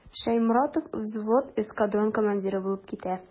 Шәйморатов взвод, эскадрон командиры булып китә.